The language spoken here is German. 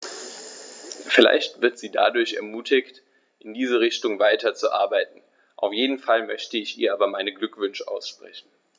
Vielleicht wird sie dadurch ermutigt, in diese Richtung weiterzuarbeiten, auf jeden Fall möchte ich ihr aber meine Glückwünsche aussprechen.